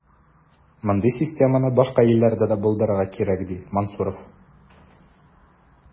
Мондый системаны башка илләрдә дә булдырырга кирәк, ди Мансуров.